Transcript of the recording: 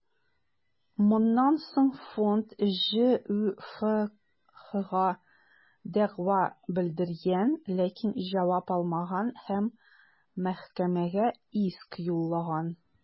Моннан соң фонд ҖҮФХгә дәгъва белдергән, ләкин җавап алмаган һәм мәхкәмәгә иск юллаган.